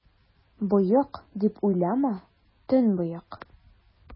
Боек, дип уйлама, төнбоек!